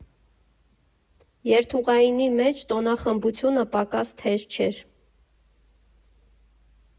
Երթուղայինի մեջ տոնախմբությունը պակաս թեժ չէր։